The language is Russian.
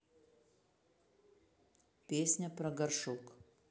песня про горшок